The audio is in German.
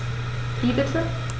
Wie bitte?